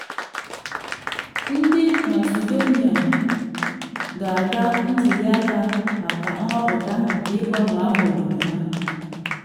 Ndị Macedonia ga-aga ntuli aka maka nhọpụta nke ịgbanwe aha obodo ha